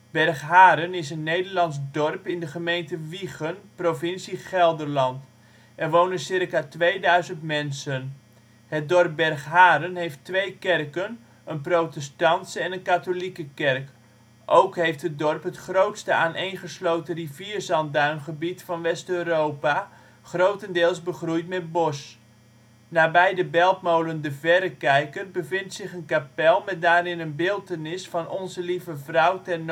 Bergharen is een Nederlands dorp in de gemeente Wijchen (provincie Gelderland). Er wonen circa 2000 mensen. Het dorp Bergharen heeft twee kerken, een protestantse en een katholieke kerk. Ook heeft het dorp het grootste aaneengesloten rivierzandduingebied van West-Europa, grotendeels begroeid met bos. Nabij de beltmolen De Verrekijker bevindt zich een kapel met daarin een beeltenis van Onze Lieve-Vrouw ter